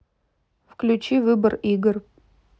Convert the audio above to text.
включи выбор игр